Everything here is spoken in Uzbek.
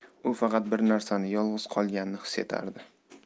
u faqat bir narsani yolg'iz qolganini his etardi